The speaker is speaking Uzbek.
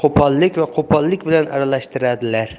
qo'pollik va qo'pollik bilan aralashtiradilar